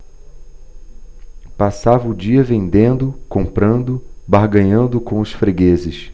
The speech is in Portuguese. passava o dia vendendo comprando barganhando com os fregueses